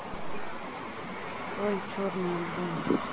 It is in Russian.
цой черный альбом